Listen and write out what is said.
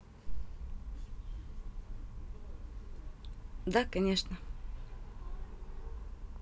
да конечно